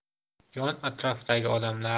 yon atrofdagi odamlar